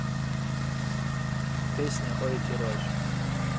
песня ой ты рожь